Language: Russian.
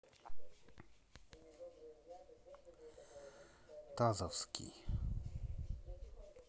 тазовский